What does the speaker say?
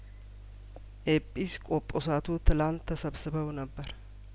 ኤጲስ ቆጶስ ቱ ትላንት ተሰብስበው ነበር